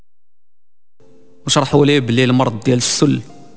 حولي بالليل مرض السل